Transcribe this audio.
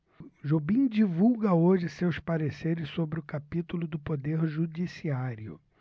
jobim divulga hoje seus pareceres sobre o capítulo do poder judiciário